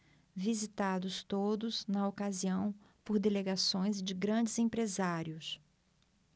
visitados todos na ocasião por delegações de grandes empresários